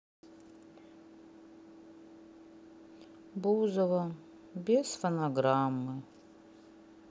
бузова без фонограммы